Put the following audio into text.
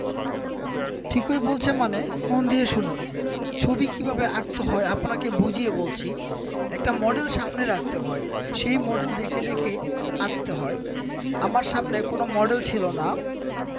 ‘ঠিকই বলছে মানে মন দিয়ে শুনুন ছবি কি ভাবে আঁকতে হয় আপনাকে বুঝিয়ে বলছি একটা মডেল সামনে রাখতে হয় সেই মডেল দেখে দেখে আঁকতে হয় আমার সামনে কোন মডেল ছিল না